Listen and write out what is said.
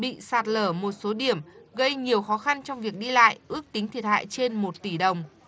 bị sạt lở một số điểm gây nhiều khó khăn trong việc đi lại ước tính thiệt hại trên một tỷ đồng